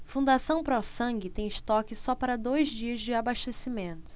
fundação pró sangue tem estoque só para dois dias de abastecimento